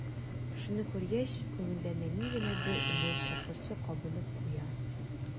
Шуны күргәч, күңелдә нәни генә бер өмет чаткысы кабынып куя.